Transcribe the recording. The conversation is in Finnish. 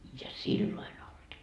ja silloin ollut